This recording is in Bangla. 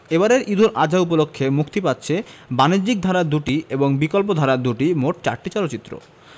এবারের ঈদ উল আযহা উপলক্ষে মুক্তি পাচ্ছে বাণিজ্যিক ধারার দুটি এবং বিকল্পধারার দুটি মোট চারটি চলচ্চিত্র